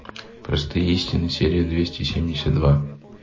простые истины серия двести семьдесят два